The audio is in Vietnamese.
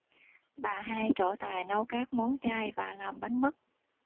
bà hai trổ tài nấu các món chay và làm bánh mứt